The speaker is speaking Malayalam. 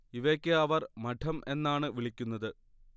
ഇവയ്ക്ക് അവർ മഠം എന്നാണ് വിളിക്കുന്നത്